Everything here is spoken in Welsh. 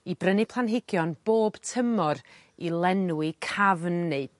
i brynu planhigion bob tymor i lenwi cafn neu